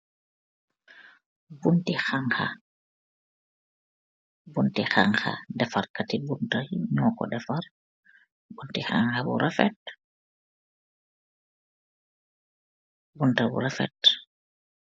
Bonti yangka yuu sohkola.